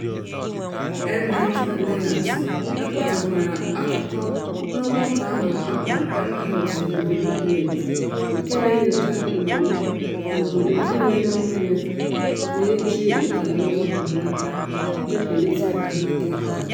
MHealth Alliance wepụtakwara akụkọ n'ọgbakọ ahụ a kpọrọ mHealth for Development, nke na-enyocha mmemme n'obodo ndị na-emepe emepe na-eji nkànaụzụ mkpanaka iji kwalite ahụike ọhanaeze.